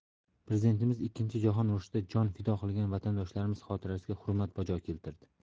prezidentimiz ikkinchi jahon urushida jon fido qilgan vatandoshlarimiz xotirasiga hurmat bajo keltirdi